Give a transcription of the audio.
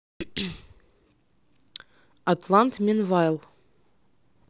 атлант menville